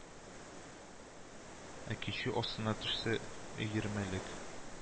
Ә кичү астына төшсә - өермәлек